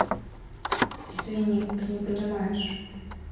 извини не понимаешь